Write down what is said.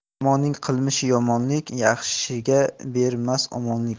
yomonning qilmishi yomonlik yaxshiga berrnas omonlik